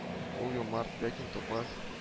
Ул юмарт, ләкин тупас